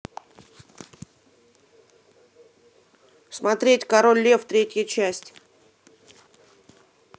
смотреть король лев третья часть